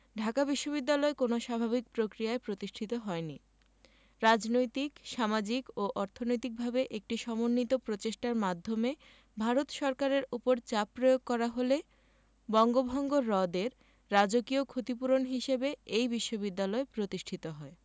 ঢাকা বিশ্ববিদ্যালয় কোনো স্বাভাবিক প্রক্রিয়ায় প্রতিষ্ঠিত হয়নি রাজনৈতিক সামাজিক ও অর্থনৈতিকভাবে একটি সমন্বিত প্রচেষ্টার মাধ্যমে ভারত সরকারের ওপর চাপ প্রয়োগ করা হলে বঙ্গভঙ্গ রদের রাজকীয় ক্ষতিপূরণ হিসেবে এই বিশ্ববিদ্যালয় প্রতিষ্ঠিত হয়